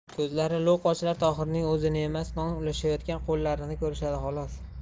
ko'zlari lo'q ochlar tohirning o'zini emas non ulashayotgan qo'llarini ko'rishadi xolos